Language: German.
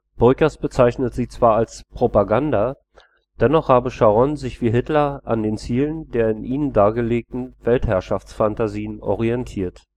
Bröckers bezeichnet sie zwar als „ Propaganda “, dennoch habe Sharon sich wie Hitler an den Zielen der in ihnen dargelegten Weltherrschaftsphantasien orientiert